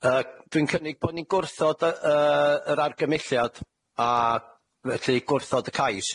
Yy, dwi'n cynnig bo' ni'n gwrthod yy yy yr argymelliad, a felly gwrthod y cais.